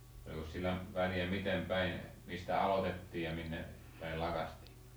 olikos sillä väliä miten päin mistä aloitettiin ja minne päin lakaistiin